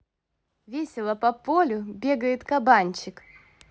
весело по полю бегает кабанчик